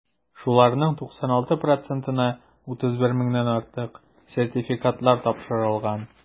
Шуларның 96 процентына (31 меңнән артык) сертификатлар тапшырылган.